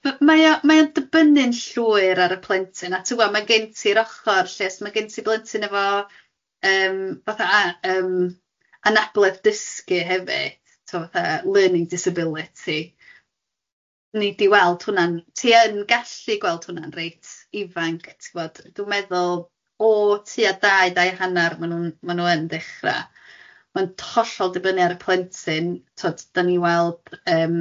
...mae o mae o'n dibynnu'n llwyr ar y plentyn a ti'n gwbod ma' gen ti'r ochr lle os ma' gen ti blentyn efo yym fatha a- yym anabledd dysgu hefyd tibod fatha learning disability, nei di weld hwnna'n, ti yn gallu gweld hwnna'n reit ifanc ti'n gwbod dwi'n meddwl o tua dau dau hanner ma' nhw'n ma' nhw yn dechra ma'n hollol dibynnu ar y plentyn tibod dan ni'n weld yym